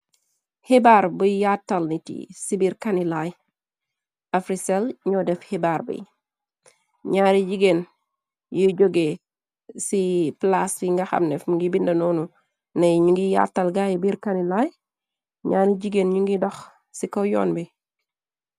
Xibaar buy yaattal nit i ci biir kanilaay africell ñoo def xibaar bi ñaari jigéen yu jóge ci plaas fi nga xamnefm ngi bind noonu ney ñu ngi yaattal gaaye biir kanilaay ñyaari jigéen ñu ngiy dox ci kow yoon bi.